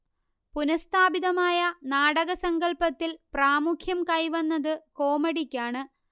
പുനഃസ്ഥാപിതമായ നാടകസങ്കല്പത്തിൽ പ്രാമുഖ്യം കൈവന്നത് കോമഡിക്കാണ്